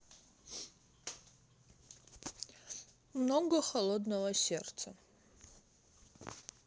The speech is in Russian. много холодного сердца